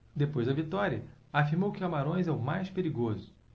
depois da vitória afirmou que camarões é o mais perigoso